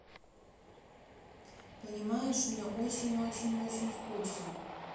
понимаешь мне очень очень очень кучно